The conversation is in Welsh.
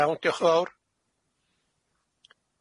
Iawn diolch yn fowr.